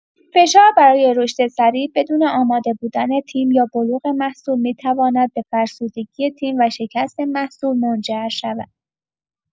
فشار برای رشد سریع، بدون آماده بودن تیم یا بلوغ محصول، می‌تواند به فرسودگی تیم و شکست محصول منجر شود.